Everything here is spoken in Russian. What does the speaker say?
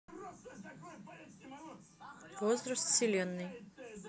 возраст вселенной